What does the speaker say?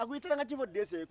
a ko i taara n ka ci fɔ dese ye